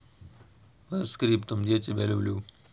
постскриптум я тебя люблю